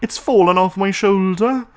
It's fallen off my shoulder.